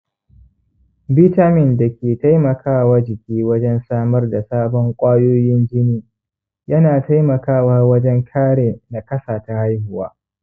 bitamin dake taimakawa jiki wajen samar da sabon kwayoyin jini yana taimakawa wajen kare nakasa ta haihuwa